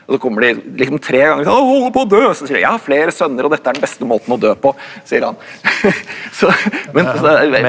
og så kommer de liksom tre ganger han holder på å dø så sier han jeg har flere sønner og dette er den beste måten å dø på sier han så .